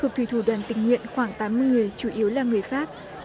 thuộc thủy thủ đoàn tình nguyện khoảng tám mươi người chủ yếu là người pháp